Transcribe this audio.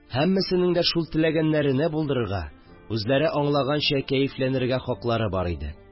Һәммәсенең дә шул теләгәннәрене булдырырга, үзләре аңлаганча кәефләнергә хаклары бар иде